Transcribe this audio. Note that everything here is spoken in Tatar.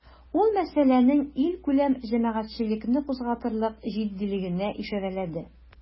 Ул мәсьәләнең илкүләм җәмәгатьчелекне кузгатырлык җитдилегенә ишарәләде.